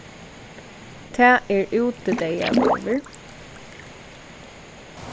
tað er útideyðaveður